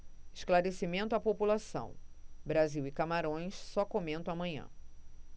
esclarecimento à população brasil e camarões só comento amanhã